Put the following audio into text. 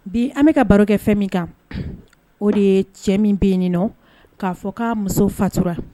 Bi an bɛka ka barokɛ fɛn min kan o de ye cɛ min bɛ ɲini nɔ k'a fɔ k' muso fatura